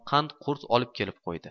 qand qurs olib kelib qo'ydi